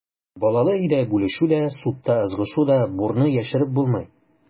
Балалы өйдә бүлешү дә, судта ызгышу да, бурны яшереп булмый.